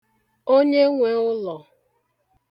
onyenwēụlọ̀